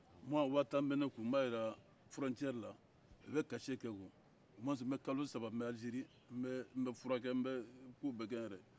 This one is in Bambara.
muwa waa tan bɛ ne kun n b'a jira fɔrɔncɛri la o bɛ kase kɛ ne kun o muwɛsi n bɛ kalo saba n bɛ alizeri n bɛ-n bɛ furakɛ n bɛ ko bɛɛ kɛ n yɛre ye